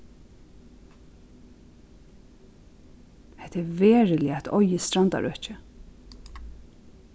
hetta er veruliga eitt oyðið strandarøki